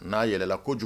N'a yɛlɛla ko kojugu